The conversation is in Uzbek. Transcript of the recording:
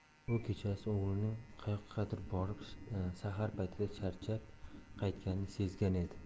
u kechasi o'g'lining qayoqqadir borib sahar paytida charchab qaytganini sezgan edi